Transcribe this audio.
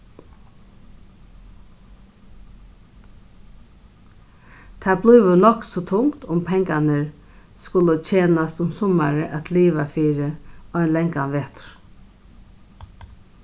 tað blívur nokk so tungt um pengarnir skulu tjenast um summarið at liva fyri ein langan vetur